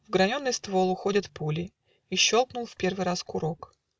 В граненый ствол уходят пули, И щелкнул в первый раз курок.